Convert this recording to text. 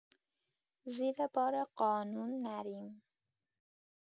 زیر بار قانون نریم